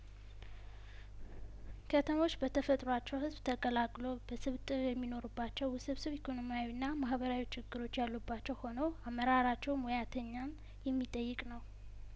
ከተሞች በተፈጥሮዎቻቸው ህዝብ ተቀላቅሎ በስብጥር የሚኖርባቸው ውስብስብ ኢኮኖሚያዊና ማህበራዊ ችግሮች ያሉባቸው ሆነው አመራራቸው ሞያተኛን የሚጠይቅ ነው